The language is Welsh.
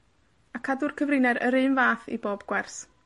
a cadw'r cyfrinair yr un fath i bob gwers.